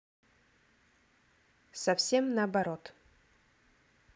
совсем наоборот